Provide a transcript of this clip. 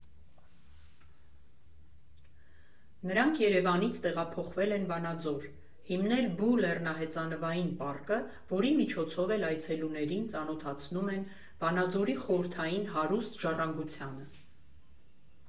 Նրանք Երևանից տեղափոխվել են Վանաձոր, հիմնել «Բու լեռնահեծանվային պարկը», որի միջոցով էլ այցելուներին ծանոթացնում են Վանաձորի խորհրդային հարուստ ժառանգությանը։